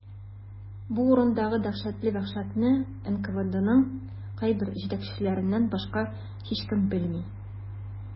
Бу урындагы дәһшәтле вәхшәтне НКВДның кайбер җитәкчеләреннән башка һичкем белми.